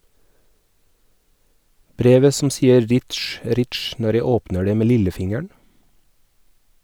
Brevet som sier ritsj, ritsj når jeg åpner det med lillefingeren?